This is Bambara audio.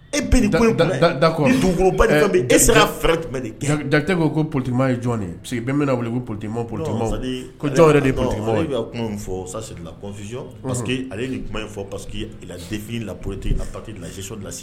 e sera ka fɛrɛ jumɛ de kɛ Jakite ko ko politigi ma ye jɔn de ye parce que bɛ mana wuli ko politigi ma poligi ma ko jɔn yɛrɛ de ye politigi maw ye a bɛ ka kuma min fɔ sa sɛ de la confision pas ke a bɛ ni kuma in fɔ pas ke i la defini la plitik a parti de la jɛsion